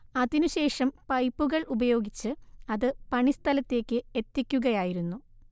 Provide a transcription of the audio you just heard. അതിനു ശേഷം പൈപ്പുകൾ ഉപയോഗിച്ച് അത് പണി സ്ഥലത്തേക്ക് എത്തിക്കുകയായിരുന്നു